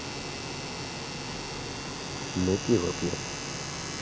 мы пиво пьем